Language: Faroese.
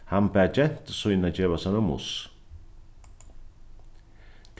hann bað gentu sína geva sær ein muss